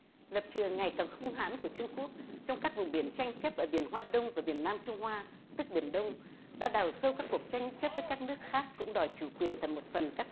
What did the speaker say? lập trường ngày càng hung hãn của trung quốc trong các vùng biển tranh chấp ở biển hoa đông và biển nam trung hoa tức biển đông đã đào sâu các cuộc tranh chấp với các nước khác cũng đòi chủ quyền và một phần các